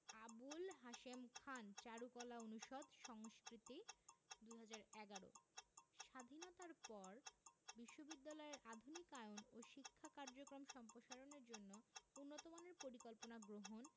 আবুল হাশেম খান চারুকলা অনুষদ সংস্কৃতি ২০১১ স্বাধীনতার পর বিশ্ববিদ্যালয়ের আধুনিকায়ন ও শিক্ষা কার্যক্রম সম্প্রসারণের জন্য উন্নতমানের পরিকল্পনা গ্রহণ